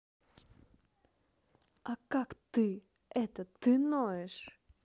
а как ты это ты ноешь